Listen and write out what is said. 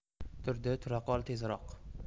turdi tura qol tezroq